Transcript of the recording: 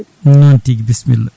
noon tigui bisimilla